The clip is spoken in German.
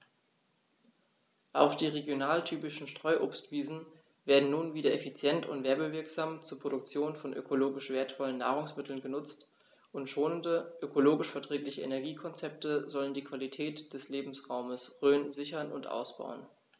Auch die regionaltypischen Streuobstwiesen werden nun wieder effizient und werbewirksam zur Produktion von ökologisch wertvollen Nahrungsmitteln genutzt, und schonende, ökologisch verträgliche Energiekonzepte sollen die Qualität des Lebensraumes Rhön sichern und ausbauen.